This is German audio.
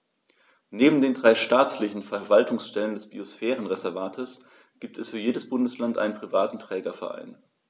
Neben den drei staatlichen Verwaltungsstellen des Biosphärenreservates gibt es für jedes Bundesland einen privaten Trägerverein.